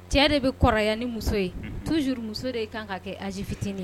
Cɛ de bɛ kɔrɔya ni muso ye toujours muso de kan ka kɛ âge fitinin ye